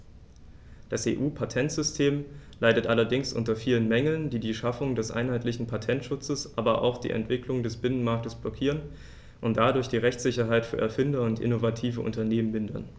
Das EU-Patentsystem leidet allerdings unter vielen Mängeln, die die Schaffung eines einheitlichen Patentschutzes, aber auch die Entwicklung des Binnenmarktes blockieren und dadurch die Rechtssicherheit für Erfinder und innovative Unternehmen mindern.